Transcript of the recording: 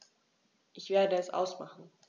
Ich werde es ausmachen